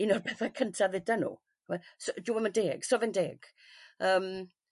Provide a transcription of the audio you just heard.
Un o'r petha cyntaf udan nw t'mod s- jiom yn deg so fe'n deg yym.